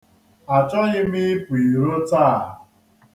Achọghị m ịpụ iro taa.